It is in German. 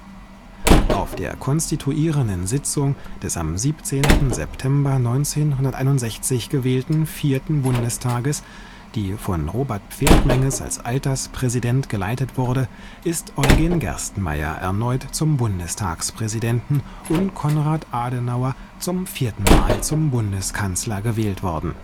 Auf der konstituierenden Sitzung des am 17. September 1961 gewählten 4. Bundestages, die von Robert Pferdmenges als Alterspräsident geleitet wurde, ist Eugen Gerstenmaier erneut zum Bundestagspräsidenten und Konrad Adenauer zum vierten Mal zum Bundeskanzler gewählt worden